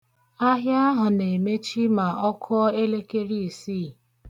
Ahịa ahụ na-emechi ma ọ kụọ elekere isii.